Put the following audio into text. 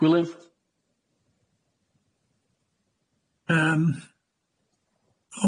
Gwilym?